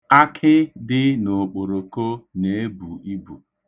Akị dị n'okporoko na-ebu ibu.